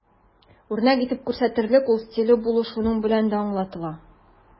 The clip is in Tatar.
Үрнәк итеп күрсәтерлек үз стиле булу шуның белән дә аңлатыла.